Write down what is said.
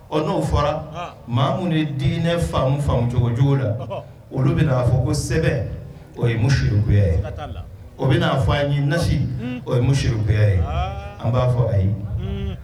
Ɔ n'o fɔra ma mamudu de ye diinɛ fa faamu cogo cogo la olu bɛa fɔ ko sɛ o ye muyya ye o bɛa fɔ an ye nasi o ye muya ye an b'a fɔ ayi ye